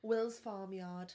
Will's farm yard.